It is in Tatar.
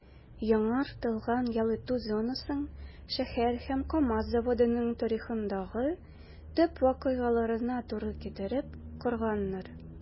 Яңартылган ял итү зонасын шәһәр һәм КАМАЗ заводының тарихындагы төп вакыйгаларына туры китереп корганнар.